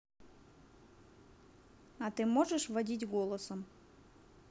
а ты можешь водить голосом